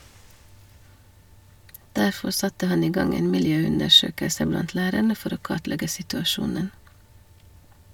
Derfor satte han i gang en miljøundersøkelse blant lærerne for å kartlegge situasjonen.